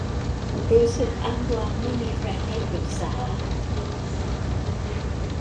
รู้สึกอ้างว้างไม่มีใครให้ปรึกษา